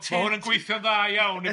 ma' hwn yn gweithio'n dda iawn... Ydi